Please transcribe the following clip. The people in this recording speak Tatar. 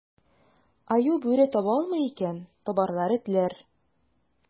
Аю, бүре таба алмый икән, табарлар этләр.